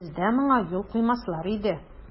Бездә моңа юл куймаслар иде.